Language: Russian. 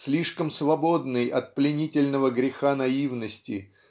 слишком свободный от пленительного греха наивности